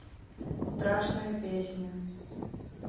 страшные песни